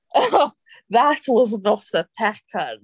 Oh that was not a peck, hun.